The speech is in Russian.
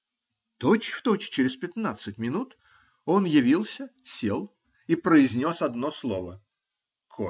Точь-в-точь через пятнадцать минут он явился, сел и произнес одно слово: "Кофе".